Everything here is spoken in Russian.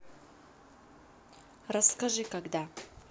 расскажи когда